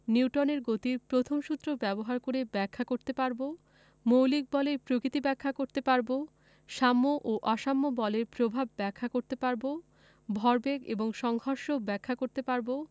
ধারণা নিউটনের গতির প্রথম সূত্র ব্যবহার করে ব্যাখ্যা করতে পারব মৌলিক বলের প্রকৃতি ব্যাখ্যা করতে পারব সাম্য ও অসাম্য বলের প্রভাব ব্যাখ্যা করতে পারব ভরবেগ এবং সংঘর্ষ ব্যাখ্যা করতে পারব